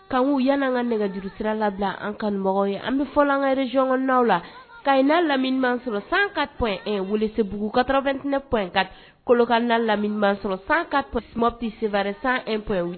Kan u yala ka nɛgɛj juruuru sira labila an kanmɔgɔ ye an bɛ fɔ an reyɔnna la kaina lamini sɔrɔ san ka wulisebuguugu kata2tp ka kɔlɔkanla lamini sɔrɔ san katuma psɛpre san0p